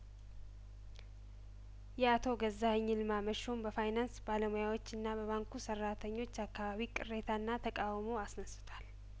የአቶ ገዛኸኝ ይልማ መሾም በፋይናንስ ባለሙያዎች እና በባንኩ ሰራተኞች አካባቢ ቅሬታና ተቃውሞ አስነስቷል